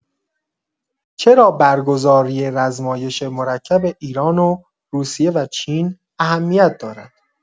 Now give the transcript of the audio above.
چرا برگزاری رزمایش مرکب ایران، روسیه و چین اهمیت دارد؟